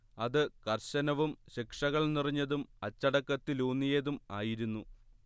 അത് കർശനവും ശിക്ഷകൾ നിറഞ്ഞതും അച്ചടക്കത്തിലൂന്നിയതും ആയിരുന്നു